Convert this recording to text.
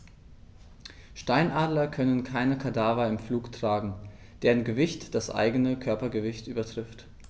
Steinadler können keine Kadaver im Flug tragen, deren Gewicht das eigene Körpergewicht übertrifft.